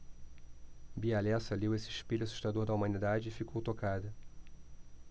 bia lessa leu esse espelho assustador da humanidade e ficou tocada